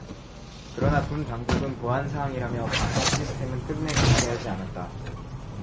그러나 군 당국은 보안사항이라며 방공 시스템은 끝내 공개하지 않았다